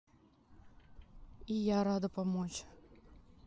и я рада помочь